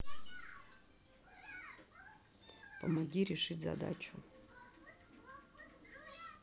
помоги решить задачу